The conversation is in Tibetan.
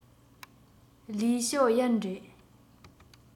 ལིའི ཞའོ ཡན རེད